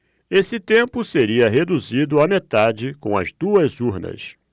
esse tempo seria reduzido à metade com as duas urnas